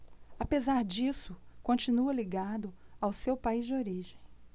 apesar disso continua ligado ao seu país de origem